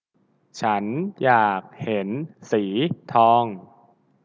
ฉันอยากเห็นสีทอง